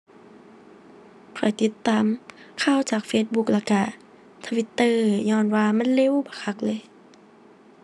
ข้อยติดตามข่าวจาก Facebook แล้วก็ Twitter ญ้อนว่ามันเร็วบักคักเลย